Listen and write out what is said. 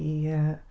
I y...